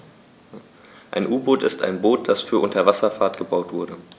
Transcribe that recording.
Ein U-Boot ist ein Boot, das für die Unterwasserfahrt gebaut wurde.